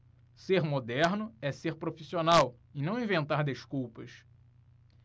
ser moderno é ser profissional e não inventar desculpas